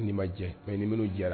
Ni ma jɛ mais n'i minnu' jɛra